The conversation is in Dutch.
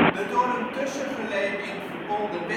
De door een tussengeleding verbonden